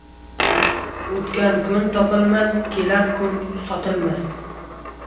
o'tgan kun topilmas kelar kun sotilmas